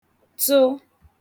tụ